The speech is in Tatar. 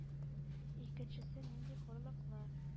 Икенчесе нинди хурлыклы.